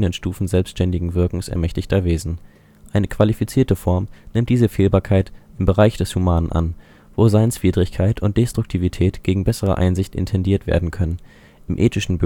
Stufen selbständigen Wirkens ermächtigter Wesen. Eine qualifizierte Form nimmt diese Fehlbarkeit im Bereich des Humanen an, wo Seinswidrigkeit und Destruktivität gegen bessere Einsicht intendiert werden können: im ethischen